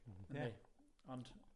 Ie. Ond